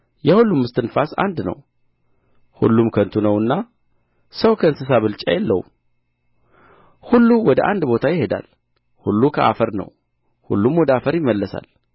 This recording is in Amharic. የሁሉም እስትንፋስ አንድ ነው ሁሉም ከንቱ ነውና ሰው ከእንስሳ ብልጫ የለውም ሁሉ ወደ አንድ ቦታ ይሄዳል ሁሉ ከአፈር ነው ሁሉም ወደ አፈር ይመለሳል